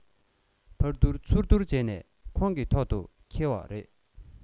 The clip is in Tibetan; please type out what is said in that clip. ཕར སྡུར ཚུར སྡུར བྱས ནས ཁོང གི ཐོག ཏུ འཁེལ བ རེད